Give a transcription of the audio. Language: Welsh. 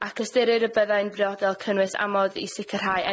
ac ystyrir y byddai'n briodol cynnwys amod i sicrhau enw